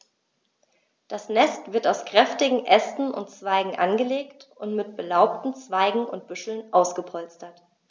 Das Nest wird aus kräftigen Ästen und Zweigen angelegt und mit belaubten Zweigen und Büscheln ausgepolstert.